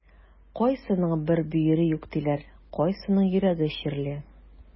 Кайсының бер бөере юк диләр, кайсының йөрәге чирле.